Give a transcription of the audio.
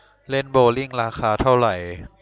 เล่นโบว์ลิ่งราคาเท่าไหร่